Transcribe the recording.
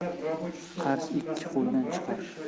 qars ikki qo'ldan chiqar